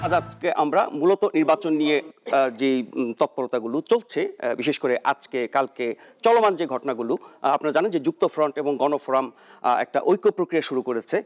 আজ আজ কে আমরা মূলত নির্বাচন নিয়ে যে তৎপরতা গুলো চলছে বিশেষ করে আজকে কালকে চলমান যে ঘটনাগুলো আপনারা জানেন যে যুক্তফ্রন্ট এবং গণফোরাম একটা ঐক্য প্রক্রিয়া শুরু করেছে